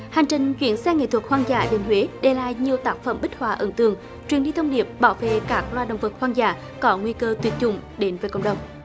hành trình chuyến xe nghệ thuật hoang dã đến huế để lại nhiều tác phẩm bích họa ấn tượng truyền đi thông điệp bảo vệ các loài động vật hoang dã có nguy cơ tuyệt chủng đến với cộng đồng